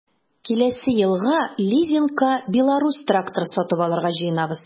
Киләсе елга лизингка “Беларусь” тракторы сатып алырга җыенабыз.